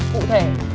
cụ thể